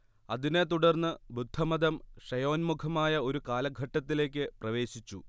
അതിനെ തുടർന്ന് ബുദ്ധമതം ക്ഷയോന്മുഖമായ ഒരു കാലഘട്ടത്തിലേക്ക് പ്രവേശിച്ചു